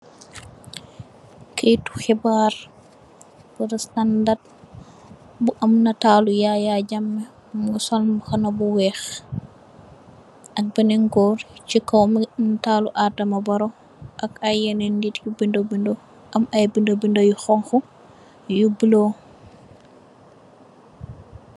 Kaiti xibarr budut standard bu am natalu Yaya Jammeh mungi sol mbaxana bu wekh ak benen gorr si kaw mungi am natalu Adama Barrow ak ayy yenen nitt yu bindu bindu am ayy binda binda yu xonxu yu bulo.